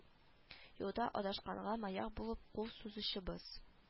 Юлда адашканга маяк булып кул сузучыбыз